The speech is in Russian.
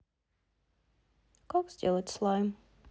как сделать слайм